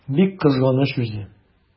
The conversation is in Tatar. Бик кызганыч үзе!